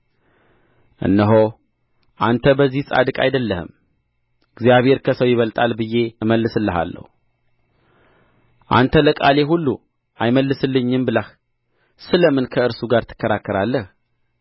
እነሆ አንተ በዚህ ጻድቅ አይደለህም እግዚአብሔር ከሰው ይበልጣል ብዬ እመልስልሃለሁ አንተ ለቃሌ ሁሉ አይመልስልኝም ብለህ ስለ ምን ከእርሱ ጋር ትከራከራለህ